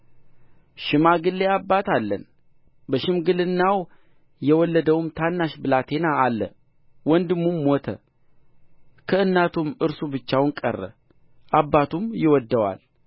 ሸማግሌ አባት አለን በሽምግልናው የወለደውም ታናሽ ብላቴና አለ ወንድሙም ሞተ ከእናቱም እርሱ ብቻውን ቀረ አባቱም ይወድደዋል